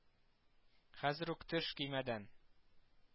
Хәзер үк төш көймәдән